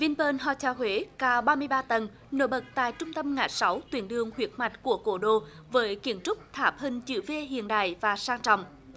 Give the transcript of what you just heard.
vin pơn hô theo huế cao ba mươi ba tầng nổi bật tại trung tâm ngã sáu tuyến đường huyết mạch của cố đô với kiến trúc tháp hình chữ vi hiện đại và sang trọng